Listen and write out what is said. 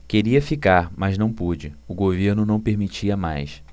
queria ficar mas não pude o governo não permitia mais